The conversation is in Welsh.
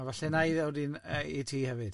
A falle wna i ddewd un yy i ti hefyd.